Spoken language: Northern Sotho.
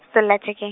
sellatheke-.